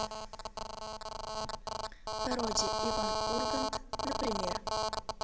пародия иван ургант например